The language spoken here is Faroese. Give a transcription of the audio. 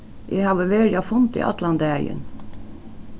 eg havi verið á fundi allan dagin